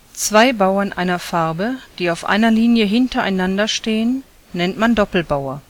Zwei Bauern einer Farbe, die auf einer Linie hintereinander stehen, nennt man Doppelbauer